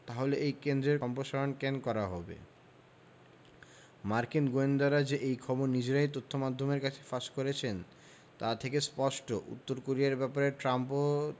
তাহলে এই কেন্দ্রের সম্প্রসারণ কেন করা হবে মার্কিন গোয়েন্দারা যে এই খবর নিজেরাই তথ্যমাধ্যমের কাছে ফাঁস করেছেন তা থেকে স্পষ্ট উত্তর কোরিয়ার ব্যাপারে ট্রাম্প ও